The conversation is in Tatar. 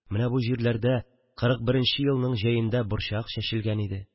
Менә бу җирләрдә кырык беренче елның җәендә борчак чәчелгән иде